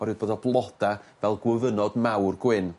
orwydd bod y bloda fel gwyfynod mawr gwyn.